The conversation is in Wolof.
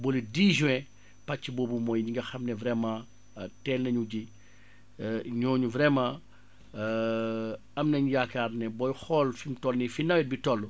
ba la dix juin pàcc boobu mooy ñi nga xam ne vraiment teel nañu ji ñooñu vraiment am nañu yaakaar ne booy xool fi mu toll nii fi nawet bi toll